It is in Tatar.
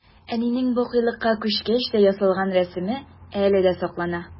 Әнинең бакыйлыкка күчкәч тә ясалган рәсеме әле дә саклана.